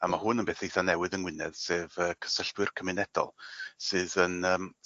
a ma' hwn yn beth eitha newydd yng Ngwynedd sef y cysylltwyr cymunedol sydd yn yym